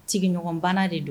Sigiɲɔgɔnbana de don